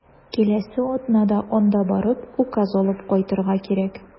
Киләсе атнада анда барып, указ алып кайтырга кирәк.